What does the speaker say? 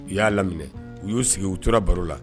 U y'a laminɛ u y'u sigi u tora baro la